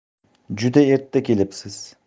juda erta kelibsiz